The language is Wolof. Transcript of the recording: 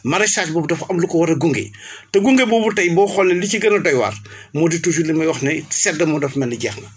maraîchage boobu dafa am lu ko war a gunge te gunge boobu tey boo xoolee li si gën a doy waar moo di toujours li may wax ne sedd moom dafa mel ni jeex na